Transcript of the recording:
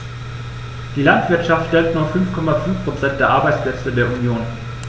Die Landwirtschaft stellt nur 5,5 % der Arbeitsplätze der Union.